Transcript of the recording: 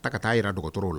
A ka taa ara dɔgɔtɔrɔw la